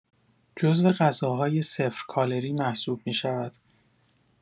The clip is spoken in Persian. جزو غذاهای صفر کالری محسوب می‌شود.